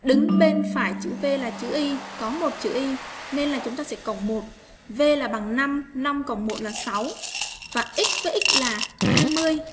đứng bên phải chữ v là chữ y có một chữ y nên là chúng ta sẽ cùng một v là bằng năm năm cộng là x với x là